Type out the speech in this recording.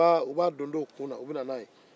u b'a don u kun na ka na n'a ye